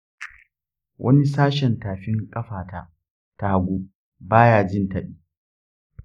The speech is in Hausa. wani sashen tafin ƙafata ta hagu ba ya jin taɓi.